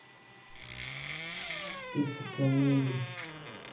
список комедий